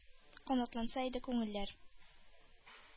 Канатланса иде күңелләр,